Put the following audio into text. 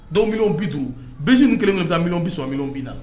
Dɔw bɛw bitu bilisi ni kelen min bɛ sɔn minnu bɛ na